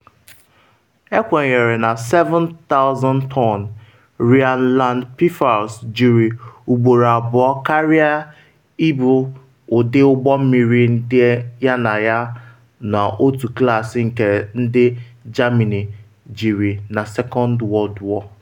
Ekwenyere na 7,000-ton “Rheinland-Pfalz jiri ugboro abụọ karịa ibu ụdị ụgbọ mmiri ndị yana ya n’otu klaasị nke ndị Germany jiri na Second World War.